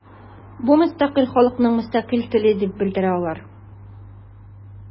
Бу – мөстәкыйль халыкның мөстәкыйль теле дип белдерә алар.